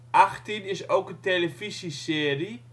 Achttien is ook een televisieserie